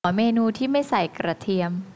ขอเมนูที่ไม่ใส่กระเทียม